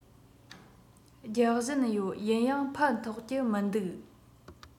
རྒྱག བཞིན ཡོད ཡིན ཡང ཕན ཐོགས ཀྱི མི འདུག